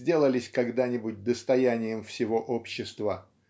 сделались когда-нибудь достоянием всего общества.